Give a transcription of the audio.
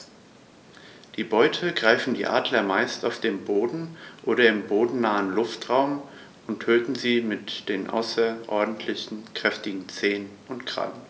Die Beute greifen die Adler meist auf dem Boden oder im bodennahen Luftraum und töten sie mit den außerordentlich kräftigen Zehen und Krallen.